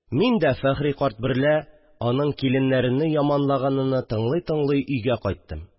Мин дә Фәхри карт берлә, аның киленнәрене яманлаганыны тыңлый-тыңлый, өйгә кайттым